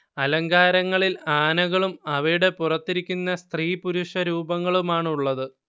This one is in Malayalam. അലങ്കാരങ്ങളിൽ ആനകളും അവയുടെ പുറത്തിരിക്കുന്ന സ്ത്രീപുരുഷ രൂപങ്ങളുമാണുള്ളത്